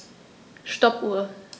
Stoppuhr.